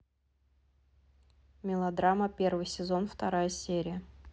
мылодрама первый сезон вторая серия